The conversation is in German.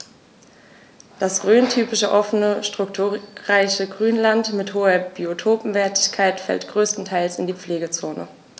Das rhöntypische offene, strukturreiche Grünland mit hoher Biotopwertigkeit fällt größtenteils in die Pflegezone.